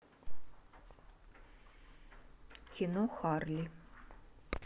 кино харли